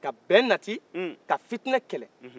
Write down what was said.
ka bɛn nati ka fitinɛ kɛlɛ